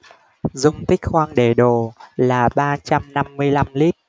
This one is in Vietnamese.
dung tích khoang để đồ là ba trăm năm mươi lăm lít